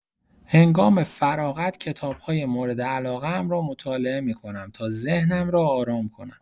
هنگام فراغت کتاب‌های مورد علاقه‌ام را مطالعه می‌کنم تا ذهنم را آرام کنم.